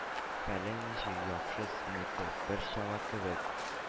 “хәлең ничек? яхшы? синеке? бер чама” кебек